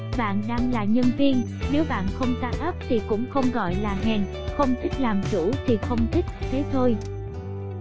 bạn đang là nhân viên nếu bạn không startup thì cũng không gọi là hèn không thích làm chủ thì không thích thế thôi